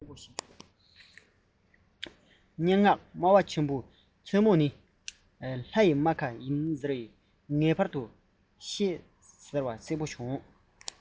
སྙན ངག སྨྲ བ ཆེན པོ མཚན མོ ནི ལྷ ཡི རྨ ཁ ཡིན ཟེར པར ངེས ཤེས གསལ བོ བྱུང